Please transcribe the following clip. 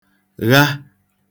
gha